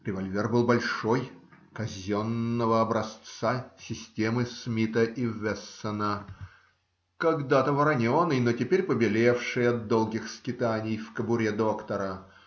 Револьвер был большой, казенного образца, системы Смита и Вессона, когда-то вороненый, но теперь побелевший от долгих скитаний в кобуре доктора.